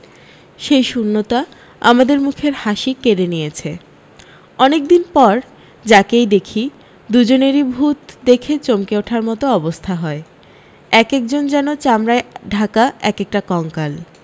সেই শূন্যতা আমাদের মুখের হাসি কেড়ে নিয়েছে অনেক দিন পর যাকেই দেখি দুজনেরি ভূত দেখে চমকে ওঠার মত অবস্থা হয় একেকজন যেন চামড়ায় ঢাকা একেকটা কঙ্কাল